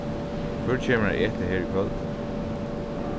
hvør kemur at eta her í kvøld